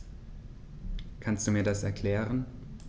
Kannst du mir das erklären?